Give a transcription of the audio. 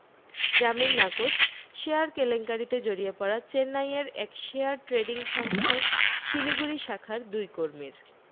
জামিন নাকচ শেয়ার কেলেঙ্কারিতে জড়িয়ে পড়া চেন্নাইয়ের একটি শেয়ার ট্রেডিং সংস্থার শিলিগুড়ি শাখার দুই কর্মীর